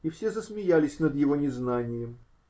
И все засмеялись над его незнанием.